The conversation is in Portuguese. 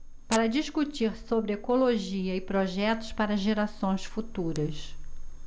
para discutir sobre ecologia e projetos para gerações futuras